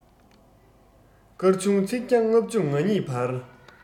སྐར ཆུང ཚིག བརྒྱ ལྔ བཅུ ང གཉིས བར